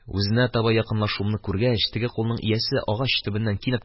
Үзенә таба якынлашуымны күргәч, теге кулның иясе агач төбеннән кинәт